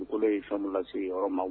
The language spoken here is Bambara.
Ukolo ye fɛn lasigi yɔrɔ ma